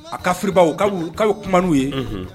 A ka filibaw ka ye kuma'u ye